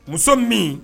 Muso min